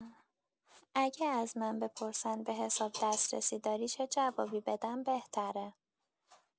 اگر از من بپرسن به‌حساب دسترسی داری چه جوابی بدم بهتره؟